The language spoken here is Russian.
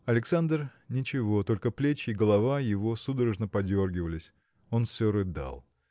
Александр – ничего, только плечи и голова его судорожно подергивались он все рыдал.